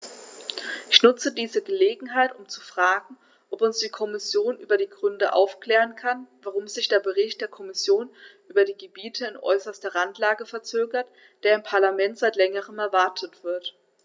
Ich nutze diese Gelegenheit, um zu fragen, ob uns die Kommission über die Gründe aufklären kann, warum sich der Bericht der Kommission über die Gebiete in äußerster Randlage verzögert, der im Parlament seit längerem erwartet wird.